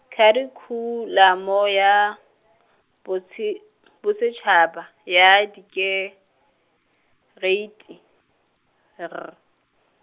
Kharikhulamo ya, Botse- , Bosetshaba ya Dikereiti R.